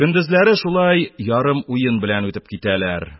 Көндезләре шулай ярым уен белән үтеп китәләр.